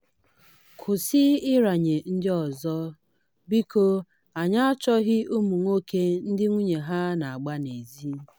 Kwụsị ịranye ndị ọzọ, biko anyị achọghịzị ụmụ nwoke ndị nwunye ha na-agba n'ezi.